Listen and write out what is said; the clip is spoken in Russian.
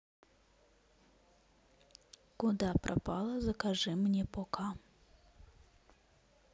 куда пропала закажи мне пока